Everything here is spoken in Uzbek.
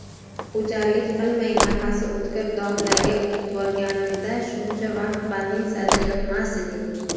o'jarlik qilmay nafasi o'tkir domlaga o'qitvorganimda shuncha vaqt bannisada yotmasiding